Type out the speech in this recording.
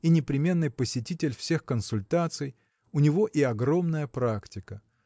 и непременный посетитель всех консультаций у него и огромная практика.